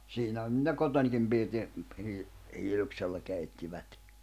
siinähän ne kotonakin pirtin - hiiluksella keittivät